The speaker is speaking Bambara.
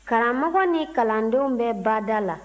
karamɔgɔ ni kalandenw bɛ bada la